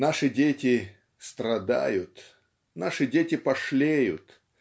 "Наши дети" страдают, наши дети пошлеют.